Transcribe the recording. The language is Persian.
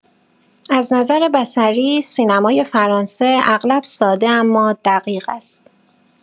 از نظر بصری، سینمای فرانسه اغلب ساده اما دقیق است.